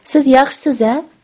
siz yaxshisiz a